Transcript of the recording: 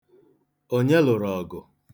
Onye lụrụ ọgụ?